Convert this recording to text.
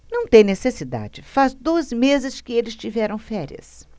não tem necessidade faz dois meses que eles tiveram férias